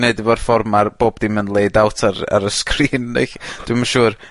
neud efo'r ffor ma'r bob dim yn laid out ar ar y sgrin neu ll-... Dwi'm yn siŵr.